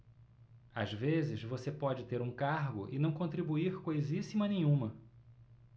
às vezes você pode ter um cargo e não contribuir coisíssima nenhuma